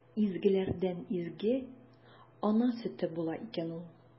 Изгеләрдән изге – ана сөте була икән ул!